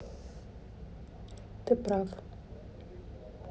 ты прав